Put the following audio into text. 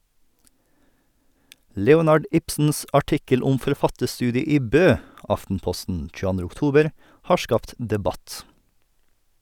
Leonard Ibsens artikkel om forfatterstudiet i Bø (Aftenposten 22. oktober) har skapt debatt.